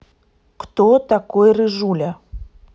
кто такой рыжуля